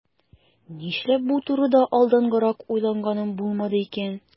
Нишләп бу турыда алданрак уйлаганым булмады икән?